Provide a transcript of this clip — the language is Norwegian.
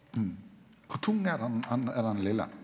kor tung er den enn er den litle?